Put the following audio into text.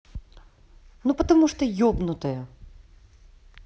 ну потому что ебнутая